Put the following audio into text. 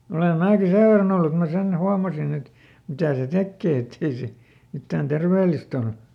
olen minäkin sen verran ollut että minä sen huomasin että mitä se tekee että ei se mitään terveellistä ole